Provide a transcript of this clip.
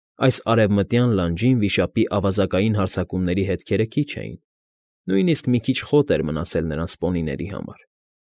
Այս արևմտյան լանջին վիշապի ավազակային հարձակումների հետքերը քիչ էին, նույնիսկ մի քիչ խոտ էր մնացել նրանից պոնիների համար։